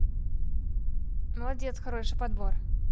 молодец хороший подбор